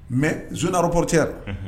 Mɛ zre porote